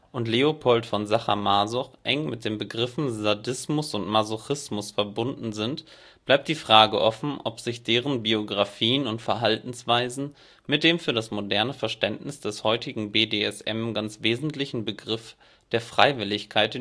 und Leopold von Sacher-Masoch eng mit den Begriffen Sadismus and Masochismus verbunden sind, bleibt die Frage offen, ob sich deren Biographien und Verhaltensweisen mit dem für das moderne Verständnis des heutigen BDSM ganz wesentlichen Begriff der Freiwilligkeit